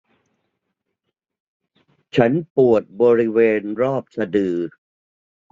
ฉันปวดบริเวณรอบสะดือ